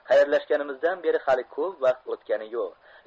xayrlashganimizdan beri hali ko'p vaqt o'tgani yo'q